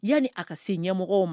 Yanni a ka se ɲɛmɔgɔ ma